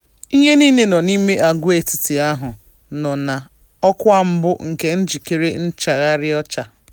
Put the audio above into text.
ihe niile nọ n'ime agwaetiti ahụ nọ na, Ọkwa Mbụ nke njikere nchaghari ọcha.